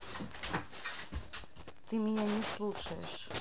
ты меня не слушаешь